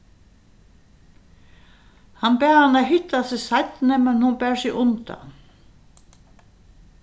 hann bað hana hitta seg seinni men hon bar seg undan